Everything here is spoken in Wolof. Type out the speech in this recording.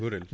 gourel